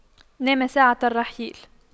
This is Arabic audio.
نام ساعة الرحيل